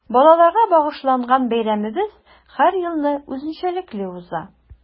Балаларга багышланган бәйрәмебез һәр елны үзенчәлекле уза.